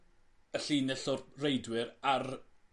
y llinell o reidwyr ar